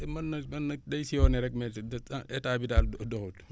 mën na mën na day sillonné rekk mais état bi daal doxut